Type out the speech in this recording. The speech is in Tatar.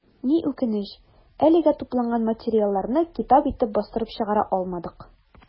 Ни үкенеч, әлегә тупланган материалларны китап итеп бастырып чыгара алмадык.